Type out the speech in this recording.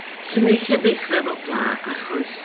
'Swn i'n licio dechrau efo Pla, achos...